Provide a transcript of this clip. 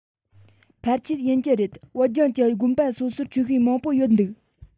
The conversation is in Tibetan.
ཕལ ཆེར ཡིན གྱི རེད བོད ལྗོངས ཀྱི དགོན པ སོ སོར ཆོས དཔེ མང པོ ཡོད འདུག